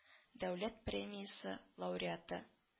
Дәүләт премиясе лауреаты